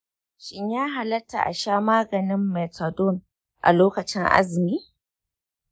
shin ya halatta a sha maganin methadone a lokacin azumi?